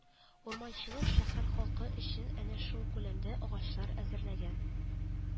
Урманчылык шәһәр халкы өчен әнә шул күләмдә агачлар әзерләгән